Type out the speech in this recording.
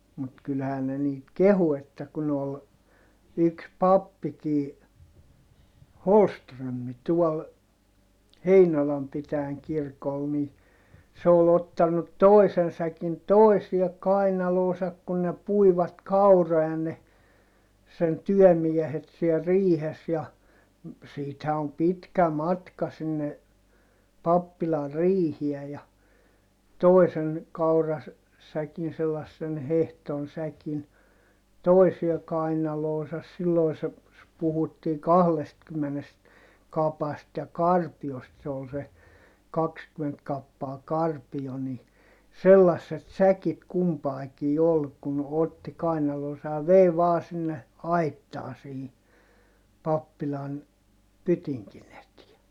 mutta kyllähän ne niitä kehui että kun oli yksi pappikin Holmström tuolla Heinolan pitäjän kirkolla niin se oli ottanut toisen säkin toiseen kainaloonsa kun ne puivat kauroja ne sen työmiehet siellä riihessä ja siitähän on pitkä matka sinne pappilan riiheen ja toisen - kaurasäkin sellaisen hehdon säkin toisen kainaloonsa silloin se puhuttiin kahdestakymmenestä kapasta ja karpiosta se oli se kaksikymmentä kappaa karpio niin sellaiset säkit kumpaankin oli kun otti kainaloonsa ja vei vain sinne aittaan siihen pappilan pytingin eteen